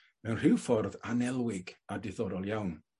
mewn rhyw ffordd annelwig a diddorol iawn.